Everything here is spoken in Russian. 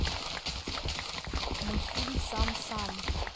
мультфильм сам сам